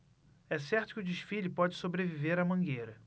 é certo que o desfile pode sobreviver à mangueira